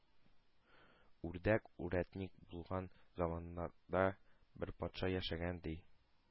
Үрдәк үрәтник булган заманнарда бер патша яшәгән, ди.